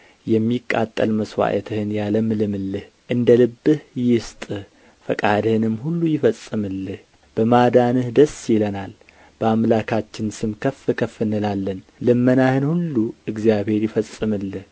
የሚቃጠል መሥዋዕትህን ያለምልምልህ እንደ ልብህ ይስጥህ ፈቃድህንም ሁሉ ይፈጽምልህ በማዳንህ ደስ ይለናል በአምላካችን ስም ከፍ ከፍ እንላለን ልመናህን ሁሉ እግዚአብሔር ይፈጽምልህ